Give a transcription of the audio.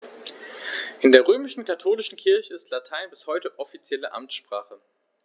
In der römisch-katholischen Kirche ist Latein bis heute offizielle Amtssprache.